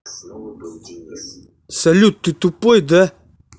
салют ты тупой да